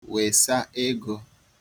wèsa ego